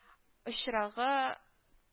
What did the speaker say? Очрагы